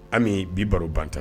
Ami bi baro ban tan